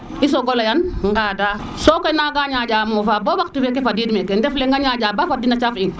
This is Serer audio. i sogo leyan ŋada sokoy nanga ñaƴa mofa bo waaxtu fe feke fadiid meke ndefleng-a ñaƴa ba fadiid na caf in